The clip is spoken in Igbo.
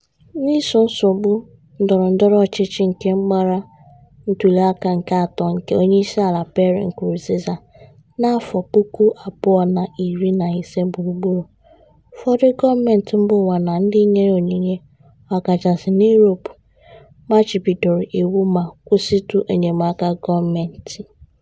N'iso nsogbu ndọrọndọrọ ọchịchị nke gbara ntuliaka nke atọ nke onyeisiala Pierre Nkurunziza na 2015 gburugburu, ụfọdụ gọọmentị mbaụwa na ndị nyere onyinye, ọkachasị n'Europe, machibidoro iwu ma kwụsịtụ enyemaka gọọmentị.